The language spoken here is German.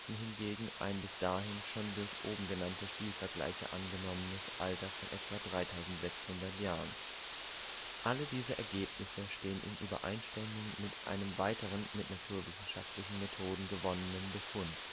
hingegen ein bis danhin schon durch oben genannte Stilvergleiche angenommenes Alter von etwa 3600 Jahren. Alle diese Ergebnisse stehen in Übereinstimmung mit einem weiteren, mit naturwissenschaftlichen Methoden gewonnenen Befund